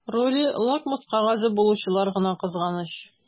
Роле лакмус кәгазе булучылар гына кызганыч.